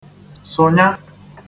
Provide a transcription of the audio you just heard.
sụ̀nya